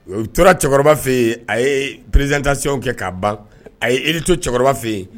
Tora cɛkɔrɔba fɛ yen a ye pereztasew kɛ'a ban a ye i to cɛkɔrɔba fɛ yen